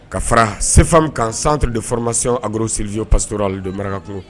Ka fara sefa kan santu de fɔrɔmasi aburo selizo pasur ali don maragankulu